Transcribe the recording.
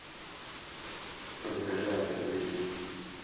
закажи авиабилет